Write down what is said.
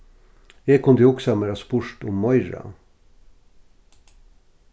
eg kundi hugsað mær at spurt um meira